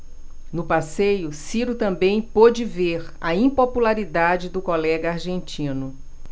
no passeio ciro também pôde ver a impopularidade do colega argentino